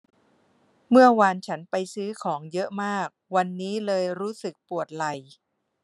เมื่อวานฉันไปซื้อของเยอะมากวันนี้เลยรู้สึกปวดไหล่